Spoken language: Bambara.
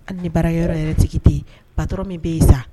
Hali ni baara yɔrɔ yɛrɛ tigi tɛ yen patron min bɛ yen sa